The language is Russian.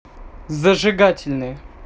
зажигательные